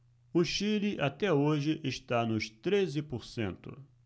o chile até hoje está nos treze por cento